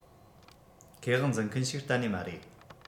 ཁེ དབང འཛིན མཁན ཞིག གཏན ནས མ རེད